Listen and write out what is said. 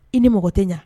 I ni mɔgɔ tɛ ɲɛ